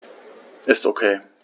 Ist OK.